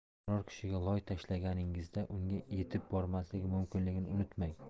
biror kishiga loy tashlaganingizda unga etib bormasligi mumkinligini unutmang